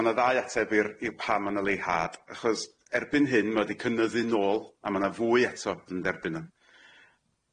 Ma' na ddau ateb i'r i'r pam ma' na leihad achos erbyn hyn ma' o di cynyddu nôl a ma' na fwy eto yn dderbyn o.